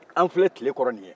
an filɛ tile kɔrɔ nin ye